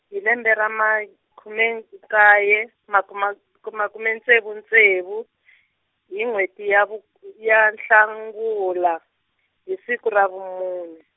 hi lembe ra, makhume nkaye, makuma- kuma- kume ntsevu ntsevu , hi n'weti ya vuk- ya Nhlangula, hi siku ra vumune.